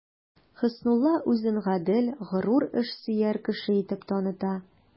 Хөснулла үзен гадел, горур, эшсөяр кеше итеп таныта.